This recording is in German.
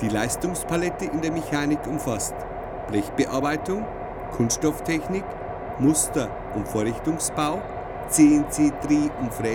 Die Leistungspalette in der Mechanik umfasst Blechbearbeitung, Kunststofftechnik, Muster - und Vorrichtungsbau, CNC-Dreh - und Frästechnik